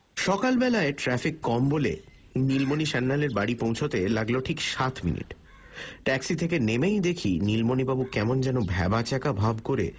সকালবেলায় ট্রাফিক কম বলে নীলমণি সান্যালের বাড়ি পৌছাতে লাগল ঠিক সাত মিনিট ট্যাক্সি থেকে নেমেই দেখি নীলমণিবাবু কেমন যেন ভ্যাবাচ্যাক ভাব করে